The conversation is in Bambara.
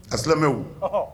Al silamɛw Ɔnhɔ